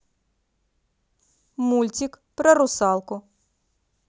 мультик про русалку